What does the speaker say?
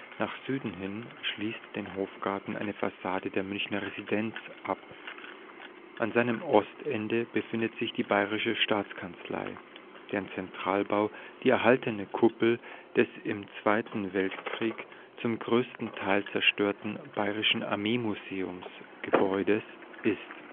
Nach Süden hin schließt den Hofgarten eine Fassade der Münchner Residenz ab, an seinem Ostende befindet sich die Bayerische Staatskanzlei, deren Zentralbau die erhaltene Kuppel des im Zweiten Weltkrieg zum größten Teil zerstörten Bayerischen Armeemuseums-Gebäudes ist